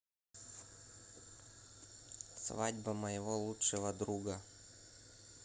свадьба моего лучшего друга